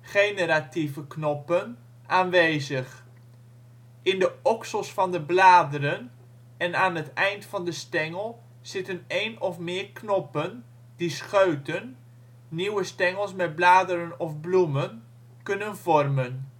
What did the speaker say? generatieve knoppen) aanwezig. In de oksels van de bladeren en aan het eind van de stengel zitten één of meer knoppen, die scheuten (nieuwe stengels met bladeren of bloemen) kunnen vormen